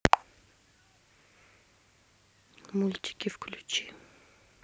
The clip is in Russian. мультики включи